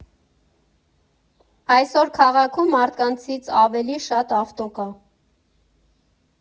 Այսօր քաղաքում մարդկանցից ավելի շատ ավտո կա.